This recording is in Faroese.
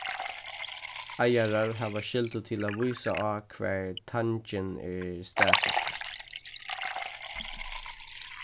eigarar hava skyldu til at vísa á hvar tangin er staðsettur